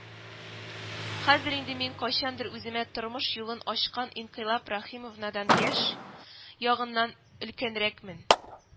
Хәзер инде мин кайчандыр үземә тормыш юлын ачкан Инкыйлаб Рәхимовнадан яшь ягыннан өлкәнрәкмен